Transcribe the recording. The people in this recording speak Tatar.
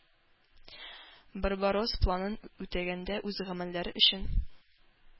“барбаросс” планын үтәгәндә үз гамәлләре өчен